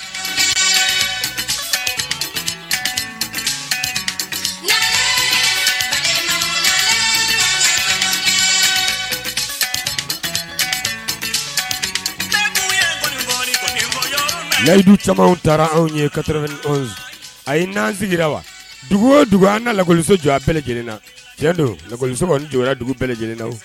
Layidu caman taara anw ye ka a ye nan sigira wa dugu o dugu an lakɔliso jɔ a bɛɛlɛ lajɛlen na tiɲɛ don lakɔliso dugu bɛɛlɛ lajɛlenna